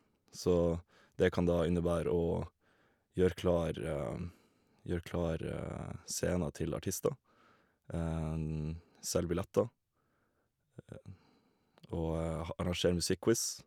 Så det kan da innebære å gjøre klar gjøre klar scenen til artister, selge billetter, og ha arrangere musikk-quiz.